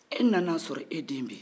e nana sɔrɔ e den bɛ yen